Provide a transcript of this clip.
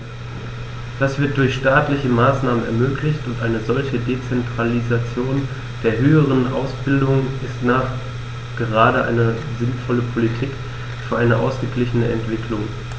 Das wird durch staatliche Maßnahmen ermöglicht, und eine solche Dezentralisation der höheren Ausbildung ist nachgerade eine sinnvolle Politik für eine ausgeglichene Entwicklung.